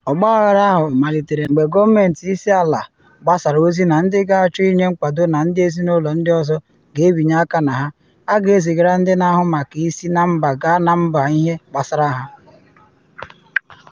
Ọgbaghara ahụ malitere na Juun mgbe gọọmenti isiala gbasara ozi na ndị ga-achọ inye nkwado na ndị ezinụlọ ndị ọzọ ga-ebinye aka ha, a ga-ezigara ndị na-ahụ maka isi na mba gaa na mba ihe gbasara ha